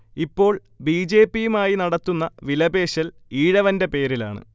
ഇപ്പോൾ ബിജെപിയുമായി നടത്തുന്ന വിലപേശൽ ഈഴവന്റെ പേരിലാണ്